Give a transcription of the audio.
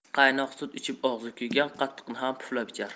qaynoq sut ichib og'zi kuygan qatiqni ham puflab ichar